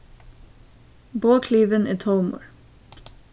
boðklivin er tómur